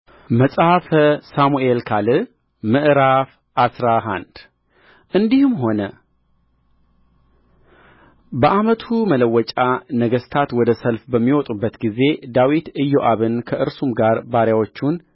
መጽሐፈ ሳሙኤል ካል ምዕራፍ አስራ አንድ እንዲህም ሆነ በዓመቱ መለወጫ ነገሥታት ወደ ሰልፍ በሚወጡበት ጊዜ ዳዊት ኢዮአብን ከእርሱም ጋር ባሪያዎቹን